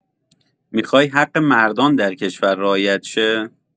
میخوای حق مردان در کشور رعایت شه؟